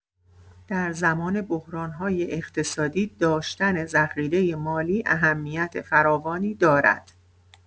در زمان بحران‌های اقتصادی، داشتن ذخیره مالی اهمیت فراوانی دارد.